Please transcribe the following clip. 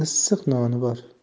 issiq noni bor